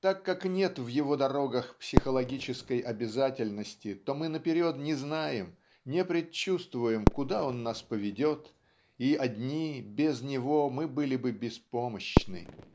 Так как нет в его дорогах психологической обязательности то мы наперед не знаем не предчувствуем куда он нас поведет и одни без него мы были бы беспомощны.